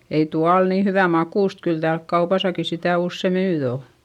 ei tuo ole niin hyvän makuista kyllä täällä kaupassakin sitä usein nyt on